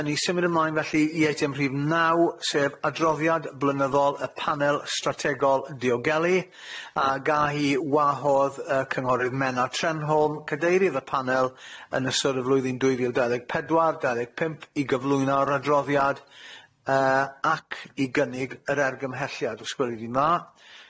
Yn i symud ymlaen felly i eitem rhif naw sef adroddiad blynyddol y panel strategol diogeli ag a' hi wahodd yy cynghorydd Menna Trenholm, cadeirydd y panel yn ystod y flwyddyn dwy fil dau ddeg pedwar dau ddeg pump i gyflwyno'r adroddiad yy ac i gynnig yr ergymhelliad ysgweli di'n dda.